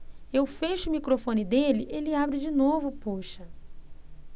eu fecho o microfone dele ele abre de novo poxa